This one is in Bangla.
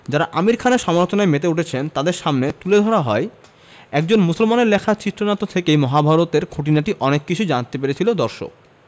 যাঁরা আমির খানের সমালোচনায় মেতে উঠেছেন তাঁদের সামনে তুলে ধরা হয় একজন মুসলমানের লেখা চিত্রনাট্য থেকেই মহাভারত এর খুঁটিনাটি অনেক কিছু জানতে পেরেছিল দর্শক